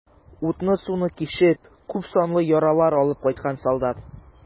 Утны-суны кичеп, күпсанлы яралар алып кайткан солдат.